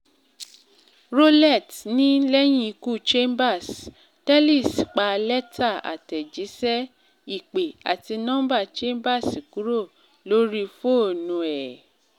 Rowlett ní lẹ́yìn ikú Chambers, Tellis pa lẹ́tà àtẹ̀jíṣẹ́, ìpè, àti nọ́ḿbà Chambers kúrò lóri fóònùu ẹ̀.